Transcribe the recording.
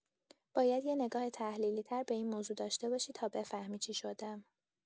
باید یه نگاه تحلیلی‌تر به این موضوع داشته باشی تا بفهمی چی شده.